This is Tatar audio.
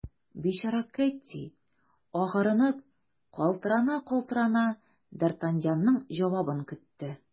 Бичара Кэтти, агарынып, калтырана-калтырана, д’Артаньянның җавабын көтте.